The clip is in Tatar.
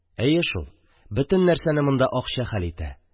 Әйе шул: бөтен нәрсәне монда акча хәл итә.